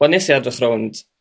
wel 'nes i edrych rownd